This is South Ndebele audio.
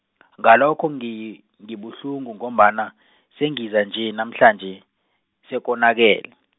ngalokho ngi- ngibuhlungu ngombana , sengiza nje namhlanje, sekonakele.